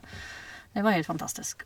Det var helt fantastisk.